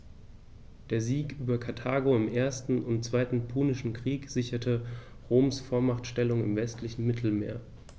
Der Sieg über Karthago im 1. und 2. Punischen Krieg sicherte Roms Vormachtstellung im westlichen Mittelmeer.